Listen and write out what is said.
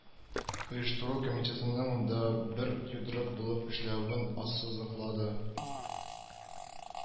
Оештыру комитетының да бер йодрык булып эшләвен ассызыклады